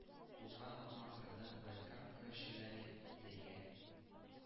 Узган атна ахырында Түбән Кама көрәшчеләре Зәйгә,